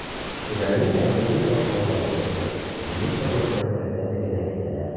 "шүрәле"не әзерли башлауларын әйтте, министрлыкның рөхсәтен генә көтәләр.